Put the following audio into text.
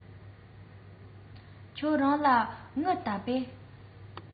ཁྱེད རང ལ དངུལ ད པས